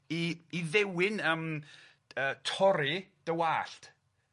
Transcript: i i ddewin yym yy torri dy wallt